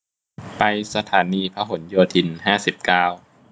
ไปสถานีพหลโยธินห้าสิบเก้า